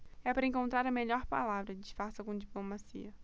é para encontrar a melhor palavra disfarça com diplomacia